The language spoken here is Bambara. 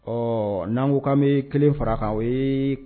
Ɔ'an kokan bɛ kelen fara kan ye